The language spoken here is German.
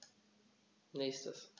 Nächstes.